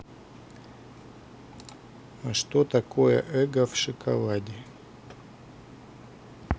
а что такое эго в шоколаде